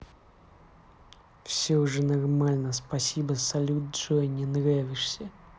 все уже нормально спасибо салют джой не нравишься